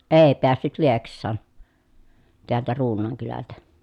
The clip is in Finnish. ei päässyt Lieksaan täältä Ruunaan kylältä